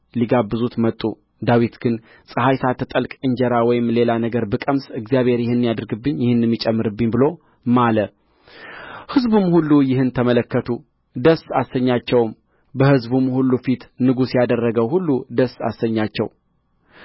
ሊጋብዙት መጡ ዳዊት ግን ፀሐይ ሳትጠልቅ እንጀራ ወይም ሌላ ነገር ብቀምስ እግዚአብሔር ይህን ያድርግብኝ ይህንም ይጨምርብኝ ብሎ ማለ ሕዝቡም ሁሉ ይህን ተመለከቱ ደስ አሰኛቸውም በሕዝቡም ሁሉ ፊት ንጉሥ ያደረገው ሁሉ ደስ አሰኛቸው